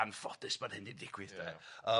anffodus bod hyn 'di digwydd 'de